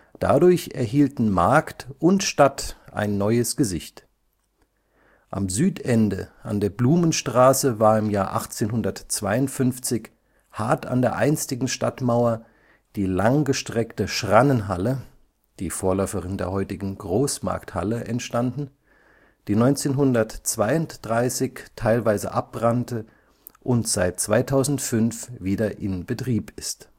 Dadurch erhielten Markt und Stadt ein neues Gesicht. Am Südende an der Blumenstraße war 1852, hart an der einstigen Stadtmauer, die langgestreckte Schrannenhalle, die Vorläuferin der heutigen Großmarkthalle, entstanden, die 1932 teilweise abbrannte und seit 2005 wieder in Betrieb ist